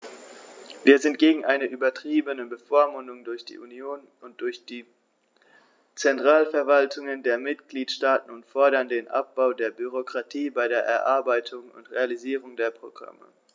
Wir sind gegen eine übertriebene Bevormundung durch die Union und die Zentralverwaltungen der Mitgliedstaaten und fordern den Abbau der Bürokratie bei der Erarbeitung und Realisierung der Programme.